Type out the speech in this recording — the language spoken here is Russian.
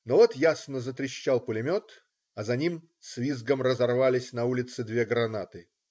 Но вот ясно затрещал пулемет, а за ним с визгом разорвались на улице две гранаты.